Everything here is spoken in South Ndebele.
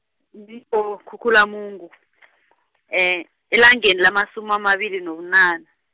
-Khukhulamungu, elangeni lamasumi amabili nobunane.